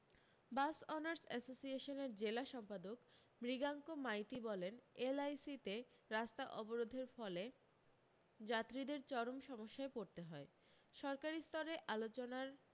বাস owners আসোসিয়েশনের জেলা সম্পাদক মৃগাঙ্গ মাইতি বলেন এল আই সিতে রাস্তা অবরোধের ফলে যাত্রীদের চরম সমস্যায় পড়তে হয় সরকারী স্তরে আলোচনার